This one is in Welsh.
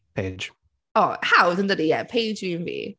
Paige... O, hawdd, yn dydi. Ie. Paige yw un fi.